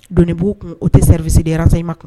Doni b' kun o tɛ serisiridirasansayima kuma